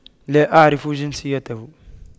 لا اعرف جنسية